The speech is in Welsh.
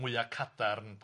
mwya cadarn posibl.